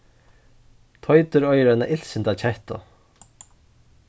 teitur eigur eina illsinta kettu